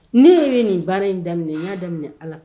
Ne bɛ nin baara in daminɛ n'a daminɛ a